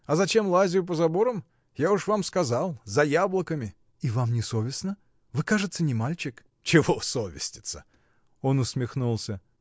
А зачем лазаю по заборам — я уж вам сказал: за яблоками. — И вам не совестно? Вы, кажется, не мальчик. — Чего совеститься? Он усмехнулся.